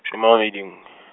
shome a mabedi nngwe.